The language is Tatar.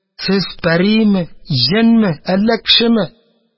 Сез пәриме, җенме, әллә кешеме?